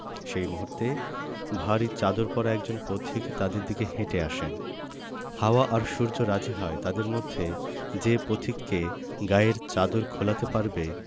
সেই মুহূর্তে ভারি চাদর পরা একজন পথিক তাদের দিকে হেটে আসেন হাওয়া আর সূর্য রাজি হয় তাদের মধ্যে যে পথিককে গায়ের চাদর খোলাতে পারবে